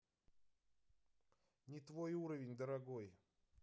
не твой уровень дорогой